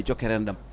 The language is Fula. jokkere enɗam